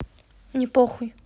мне похуй